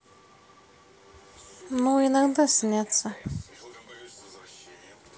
ну иногда сняться